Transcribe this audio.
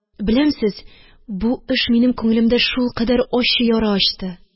Беләмсез, бу эш минем күңелемдә шулкадәр ачы яра ачты.